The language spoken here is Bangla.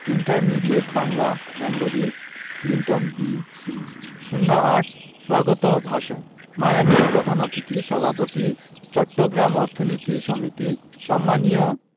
ইন্টারমিডিয়েট বাংলা ব্যাঙ্গলি ক্লিন্টন বি সিলি ০৮ স্বাগত ভাষণ মাননীয় প্রধান অতিথি সভাপতি চট্টগ্রাম অর্থনীতি সমিতি সম্মানীয়